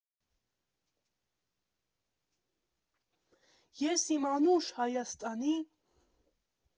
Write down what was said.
Ես իմ անուշ Հայաստանի…